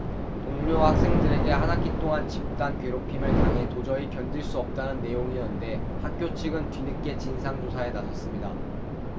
동료 학생들에게 한 학기 동안 집단 괴롭힘을 당해 도저히 견딜 수 없다는 내용이었는데 학교 측은 뒤늦게 진상조사에 나섰습니다